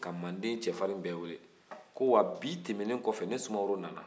ka manden cɛfarinw bɛɛ wele ko wa bi tɛmɛnen kɔfɛ ne sumaworo nana